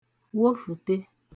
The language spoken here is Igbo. wofùte